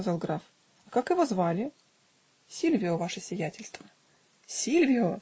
-- сказал граф, -- а как его звали? -- Сильвио, ваше сиятельство. -- Сильвио!